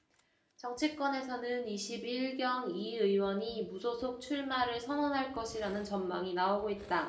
정치권에서는 이십 일 경 이 의원이 무소속 출마를 선언할 것이라는 전망이 나오고 있다